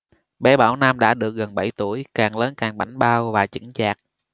bé bảo nam đã được gần bảy tuổi càng lớn càng bảnh bao và chững chạc